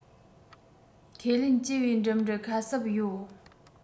ཁས ལེན སྤྱི པའི འགྲིམ འགྲུལ ཁ གསབ ཡོད